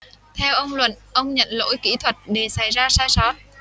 theo ông luận ông nhận lỗi kỹ thuật để xảy ra sai sót